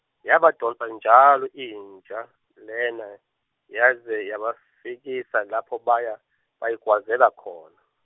yabadonsa njalo inja lena, yaze yabafikisa lapho baya, bayigwazela khona.